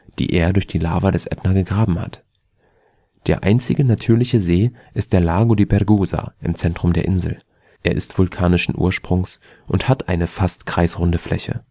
die er durch die Lava des Ätna gegraben hat. Lago di Pergusa Der einzig natürliche See ist der Lago di Pergusa im Zentrum der Insel. Er ist vulkanischen Ursprungs und hat eine fast kreisrunde Fläche